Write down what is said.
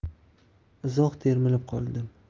uzoq termilib qoldim